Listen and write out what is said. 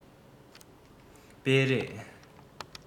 སྤེལ རེས